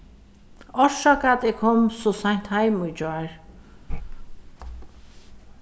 orsaka at eg kom so seint heim í gjár